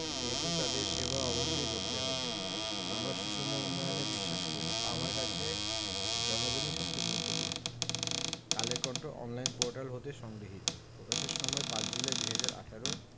সেহেতু তাদের সেবা অবশ্যই করতে হবে আমরা সুষম উন্নয়নে বিশ্বাস করি আমার কাছে জনগণই সবচেয়ে গুরুত্বপূর্ণ কালের কন্ঠের অনলাইন পোর্টাল হতে সংগৃহীত প্রকাশের সময় ৫ জুলাই ২০১৮